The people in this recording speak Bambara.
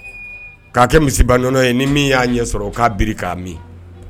K'a kɛ misiba nɔnɔ ye ni min y aa ɲɛ sɔrɔ k'a bi k a min